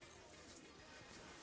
исправься пожалуйста быстро